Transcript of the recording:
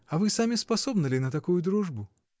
А вы сами способны ли на такую дружбу?